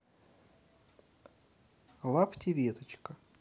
лапти веточка